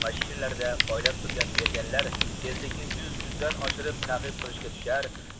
mashinalarda poylab turgan merganlar tezlikni yuz yuzdan oshirib ta'qib qilishga tushar